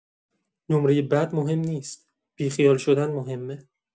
نمره بد مهم نیست، بی‌خیال شدن مهمه.